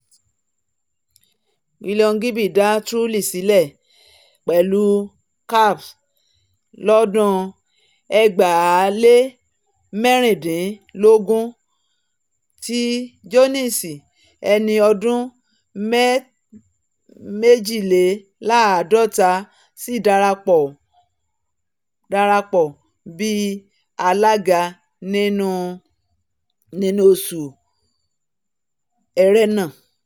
Willoughby dá Truly sílẹ̀ pẹ̀lú Capp lọ́dún 2016 tí Jones, ẹni ọdún méjìléláàádọ́ta, sì darapọ̀ bí alága nínú oṣù Erénà.